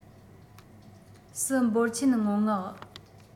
སྲིད འབོར ཆེན སྔོན མངག